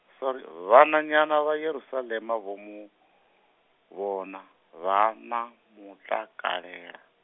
sorry vhananyana vha Yerusalema vho mu vhona, vha na mutakalela.